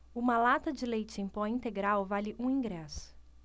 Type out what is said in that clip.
uma lata de leite em pó integral vale um ingresso